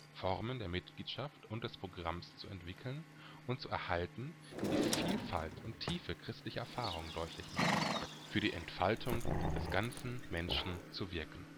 Formen der Mitarbeit und des Programms zu entwickeln und zu erhalten, die die Vielfalt und Tiefe christlicher Erfahrung deutlich machen. Für die Entfaltung des ganzen Menschen zu wirken